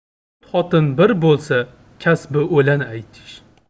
to'rt xotin bir bo'lsa kasbi o'lan aytish